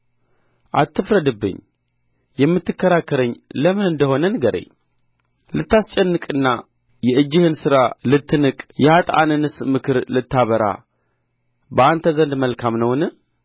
አትፍረድብኝ የምትከራከረኝ ለምን እንደ ሆነ ንገረኝ ልታስጨንቅና የእጅህን ሥራ ልትንቅ የኃጥአንንስ ምክር ልታበራ በአንተ ዘንድ መልካም ነውን